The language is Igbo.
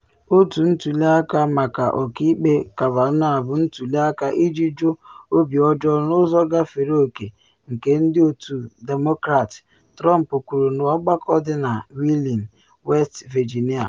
“Otu ntuli aka maka Ọkaikpe Kavanaugh bụ ntuli aka iji jụ obi ọjọọ na ụzọ gafere oke nke ndị Otu Demokrats,” Trump kwuru n’ọgbakọ dị na Wheeling, West Virginia.